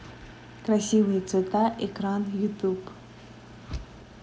красивые цвета экран ютуб